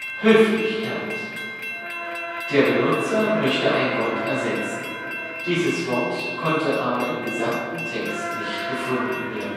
Höflichkeit Der Benutzer möchte ein Wort ersetzen. Dieses Wort kommt aber im gesamten Text nicht vor. Der